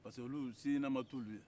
parce que se ɲɛnama t'olu ye